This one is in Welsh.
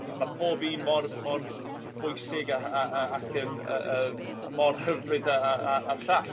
A ma' pob un mor mor bwysig a a ac yn yy yym a mor hyfryd a a a'r llall.